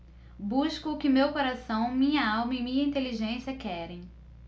busco o que meu coração minha alma e minha inteligência querem